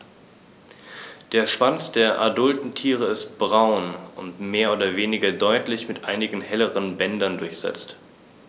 Der Schwanz der adulten Tiere ist braun und mehr oder weniger deutlich mit einigen helleren Bändern durchsetzt.